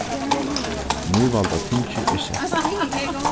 nývalda tingið er sett